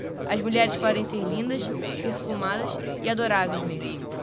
as mulheres podem ser lindas perfumadas e adoráveis mesmo